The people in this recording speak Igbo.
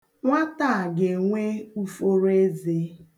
Nwata a ga-enwe uforo eze.